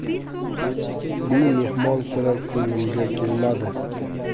be mehmon sira ko'nglimga kelmadi